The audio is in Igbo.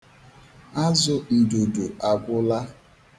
Azụ ndudu agwụla.